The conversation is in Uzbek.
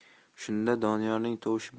shunda doniyorning tovushi